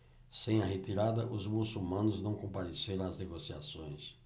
sem a retirada os muçulmanos não compareceram às negociações